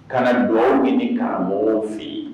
Kana dugaw ɲini karamɔgɔ fɛ yen